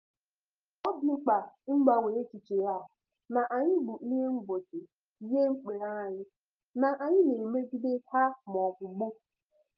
Ọ dị mkpa ịgbanwe echiche a na anyị bụ ihe mgbochi nye mmepe anyị, na anyị na-emegide A mọọbụ B.